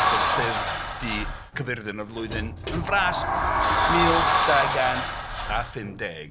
Sef Llyfr Du Caerfyrddin o'r flwyddyn yn fras mil dau gant a phump deg.